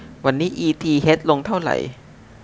วันนี้อีทีเฮชลงเท่าไหร่